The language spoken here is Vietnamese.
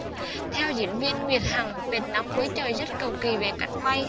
theo diễn viên nguyệt hằng vệt nắng cuối trời rất cầu kỳ về cảnh quay